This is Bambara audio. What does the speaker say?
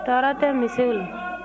tɔɔrɔ tɛ misiw la